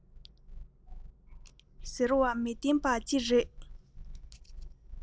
དེང གི དུས འདིར